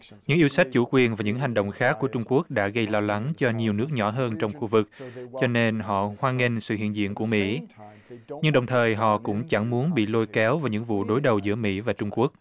những yêu sách chủ quyền và những hành động khác của trung quốc đã gây lo lắng cho nhiều nước nhỏ hơn trong khu vực cho nên họ hoan nghênh sự hiện diện của mỹ nhưng đồng thời họ cũng chẳng muốn bị lôi kéo vào những vụ đối đầu giữa mỹ và trung quốc